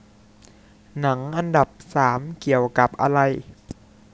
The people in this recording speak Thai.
หนังอันดับสามเกี่ยวกับอะไร